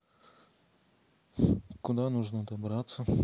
куда нужно добраться